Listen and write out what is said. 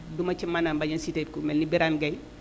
du ma ci mën a bañ a cité ku mel ni Birane Gueye